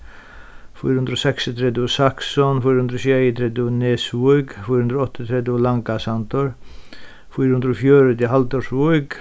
fýra hundrað og seksogtretivu saksun fýra hundrað og sjeyogtretivu nesvík fýra hundrað og áttaogtretivu langasandur fýra hundrað og fjøruti haldórsvík